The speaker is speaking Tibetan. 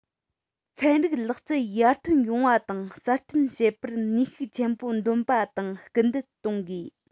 ཚན རིག ལག རྩལ ཡར ཐོན ཡོང བ དང གསར སྐྲུན བྱེད པར ནུས ཤུགས ཆེན པོ འདོན དང སྐུལ འདེད གཏོང དགོས